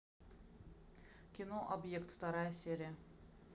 кино объект вторая серия